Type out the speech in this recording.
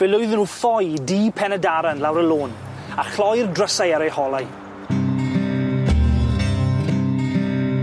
Fe lwyddon nw ffoi i dŷ pen y darren lawr y lôn, a chloi'r drysau ar eu holau.